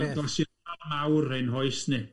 Gyda'r gnoson mawr ein hoes ni.